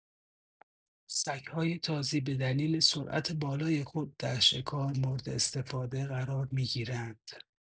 سگ‌های تازی به دلیل سرعت بالای خود در شکار مورداستفاده قرار می‌گیرند.